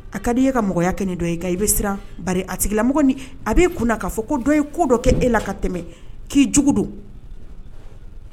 A ka di i ka mɔgɔya kɛnɛ dɔ i i bɛ siran ba alamɔgɔ a b'i kun k'a fɔ ko dɔ i ko dɔ k kɛ e la ka tɛmɛ k'i jugu don